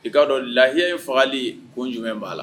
I ka dɔn lahiya in fagali kun jumɛn ba la?